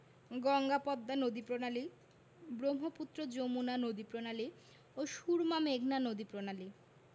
গঙ্গা পদ্মা নদীপ্রণালী ব্রহ্মপুত্র যমুনা নদীপ্রণালী ও সুরমা মেঘনা নদীপ্রণালী